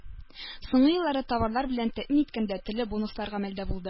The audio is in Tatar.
Соңгы елларда товарлар белән тәэмин иткәндә төрле бонуслар гамәлдә булды